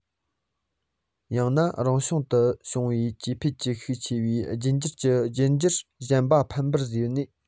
ཡང ན རང བྱུང དུ སྐྱེ འཕེལ གྱི ཤུགས ཆེས ཆེ བའི རྒྱུད འགྱུར གྱིས རྒྱུད འགྱུར གཞན པ ཕམ པར བཟོས ནས